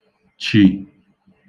chì